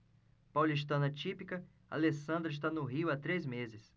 paulistana típica alessandra está no rio há três meses